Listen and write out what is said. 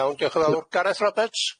Iawn diolch yn fawr. Gareth Roberts?